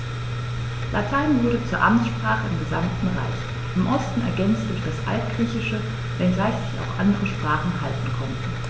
Latein wurde zur Amtssprache im gesamten Reich (im Osten ergänzt durch das Altgriechische), wenngleich sich auch andere Sprachen halten konnten.